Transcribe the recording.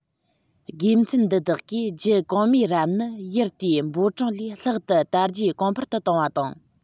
དགེ མཚན འདི དག གིས རྒྱུད གོང མའི རབས ནི ཡུལ དེའི འབོར གྲངས ལས ལྷག ཏུ དར རྒྱས གོང འཕེལ དུ བཏང བ དང